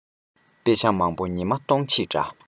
དཔེ ཆ མང བོ ཉི མ གཏོང བྱེད འདྲ